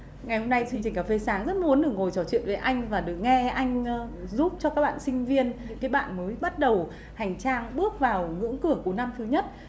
ngày hôm nay chương trình cà phê sáng rất muốn được ngồi trò chuyện với anh và được nghe anh giúp cho các bạn sinh viên những cái bạn mới bắt đầu hành trang bước vào ngưỡng cửa của năm thứ nhất